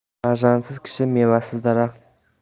farzandsiz kishi mevasiz daraxt